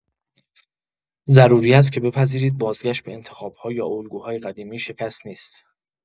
ضروری است که بپذیرید بازگشت به انتخاب‌ها یا الگوهای قدیمی شکست نیست.